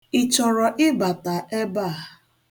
Ị chọrọ ịbata ebe a?